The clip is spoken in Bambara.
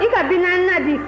i ka bi naanina di